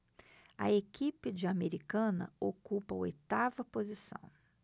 a equipe de americana ocupa a oitava posição